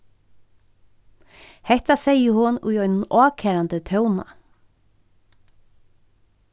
hetta segði hon í einum ákærandi tóna